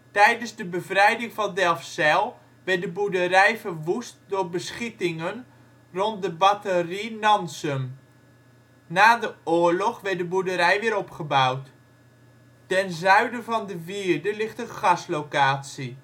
Tijdens de bevrijding van Delfzijl werd de boerderij verwoest door beschietingen rond de batterie Nansum. Na de oorlog werd de boerderij weer opgebouwd. Ten zuiden van de wierde ligt een gaslocatie